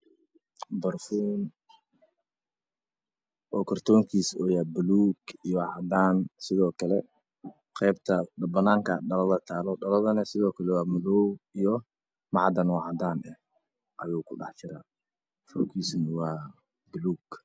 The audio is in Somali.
Waxaa ii muuqda catarr laxa yaysiinayo midabkiisu waa buluug kor waxaa uga xiran dhalo dahabi ah furka corona waa buluug dhalaale